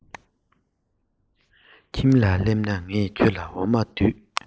ཁྱིམ ལ སླེབས ན ངས ཁྱོད ལ འོ མ ལྡུད